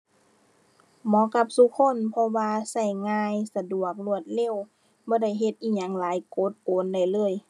เหมาะกับซุคน เพราะว่าใช้ง่าย สะดวก รวดเร็ว บ่ได้เฮ็ดอิหยังหลาย กดโอนได้เลย